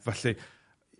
Felly